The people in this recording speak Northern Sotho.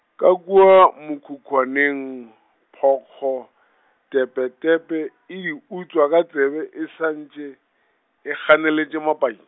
ka kua mokhukhwaneng, phokgo, tepetepe e di utswa ka tsebe e sa ntše, e ganeletše mapai.